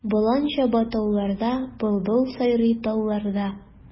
Болан чаба тауларда, былбыл сайрый талларда.